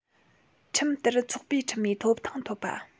ཁྲིམས ལྟར ཚོགས པའི ཁྲིམས མིའི ཐོབ ཐང ཐོབ པ